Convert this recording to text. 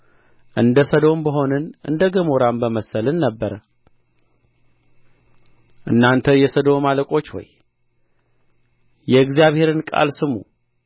እንደ ሰዶም በሆንነ እንደ ገሞራም በመሰልነ ነበር እናንተ የሰዶም አለቆች ሆይ የእግዚአብሔርን ቃል ስሙ